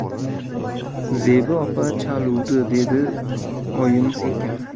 zebi opa chaluvdi dedi oyim sekin